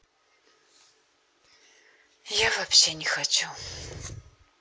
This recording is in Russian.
я вообще не хочу